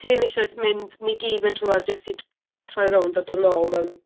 Ti ddim isie t- mynd, ni gyd, mynd trwyadd jyst i, t- troi rownd a dod nôl mewn...